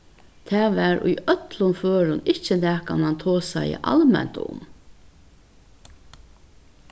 tað var í øllum førum ikki nakað mann tosaði alment um